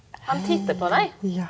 han titter på deg.